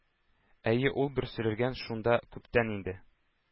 Әйе, ул бер сөрелгән; шунда күптән инде